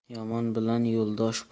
yomon bilan yo'ldosh